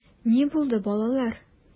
Ни булды, балалар?